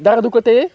dara du ko téye